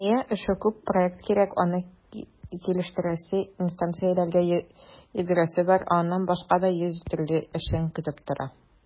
Әйе, эше күп - проект кирәк, аны килештерәсе, инстанцияләргә йөгерәсе бар, ә аннан башка да йөз төрле эшең көтеп тора.